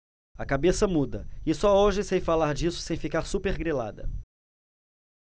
a cabeça muda e só hoje sei falar disso sem ficar supergrilada